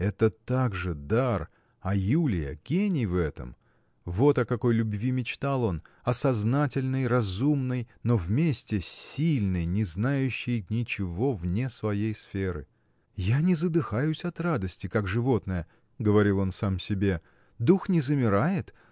это также дар; а Юлия – гений в этом. Вот о какой любви мечтал он о сознательной разумной но вместе сильной не знающей ничего вне своей сферы. Я не задыхаюсь от радости как животное – говорил он сам себе – дух не замирает